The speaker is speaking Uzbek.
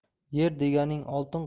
yer deganing oltin